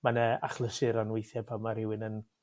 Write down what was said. mae 'ne achlysur an- weithie pan ma' rywun yn